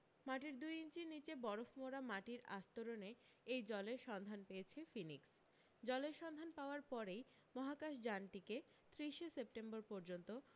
মাটির দুই ইঞ্চি নীচে বরফ মোড়া মাটির আস্তরণে এই জলের সন্ধান পেয়েছে ফিনিক্স জলের সন্ধান পাওয়ার পরেই মহাকাশ যানটিকে ত্রিশে সেপ্টেম্বর পর্যন্ত